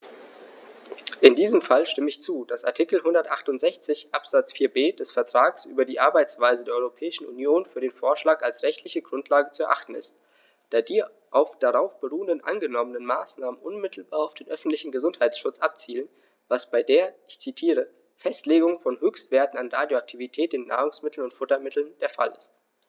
In diesem Fall stimme ich zu, dass Artikel 168 Absatz 4b des Vertrags über die Arbeitsweise der Europäischen Union für den Vorschlag als rechtliche Grundlage zu erachten ist, da die auf darauf beruhenden angenommenen Maßnahmen unmittelbar auf den öffentlichen Gesundheitsschutz abzielen, was bei der - ich zitiere - "Festlegung von Höchstwerten an Radioaktivität in Nahrungsmitteln und Futtermitteln" der Fall ist.